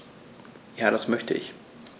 Ja, das möchte ich.